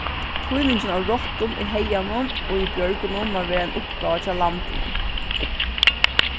týningin av rottum í haganum og í bjørgunum má vera ein uppgáva hjá landinum